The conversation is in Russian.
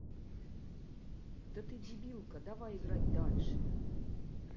да ты дебилка давай играть дальше